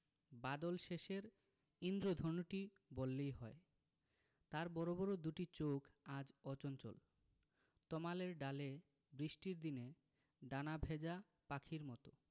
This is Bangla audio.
বাদলশেষের ঈন্দ্রধনুটি বললেই হয় তার বড় বড় দুটি চোখ আজ অচঞ্চল তমালের ডালে বৃষ্টির দিনে ডানা ভেজা পাখির মত